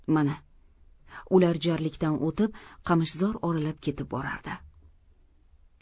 mana ular jarlikdan o'tib qamishzor oralab ketib borardi